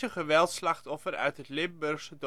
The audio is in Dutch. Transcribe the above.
geweldslachtoffer uit het Limburgse